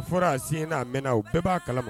A fɔra sen'a mɛnna u bɛɛ b'a kalama